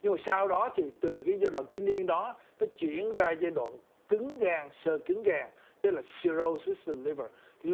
sau đó chỉ từ giai đoạn kinh niên đó nó chuyển ra giai đoạn cứng gan xơ cứng gan tức là sây sừng nây vồ lúc